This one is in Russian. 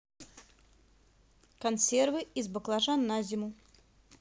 консервы из баклажан на зиму